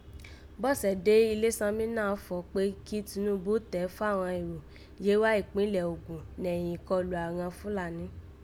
Bọ́sẹ̀dé Ilésanmí náà fọ̀ọ́ kpé kí Tinúbú tẹ́ fàghan èrò Yewa ìkpínlẹ̀ Ògùn nẹ̀yìn ìkọlù àghan Fúlàní